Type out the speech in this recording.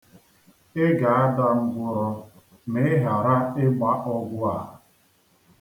Ị ga-ada ngwụrọ ma ị ghara ịgba ọgwụ a.